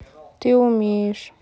ты умеешь